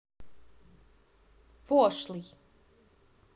пошлый